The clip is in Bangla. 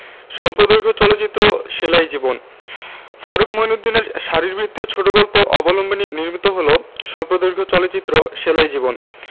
স্বল্পদৈর্ঘ্য চলচ্চিত্র সেলাই জীবন ফারুক মইনউদ্দিনের শারীরবৃত্তীয় ছোট গল্প অবলম্বনে নির্মিত হল স্বল্পদৈর্ঘ্য চলচ্চিত্র সেলাই জীবন